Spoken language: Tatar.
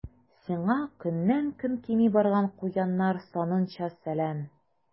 Сиңа көннән-көн кими барган куяннар санынча сәлам.